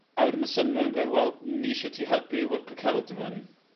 a wedyn ma' Sunweb yn gweu wel ni isie ti helpu Wilco Kelderman.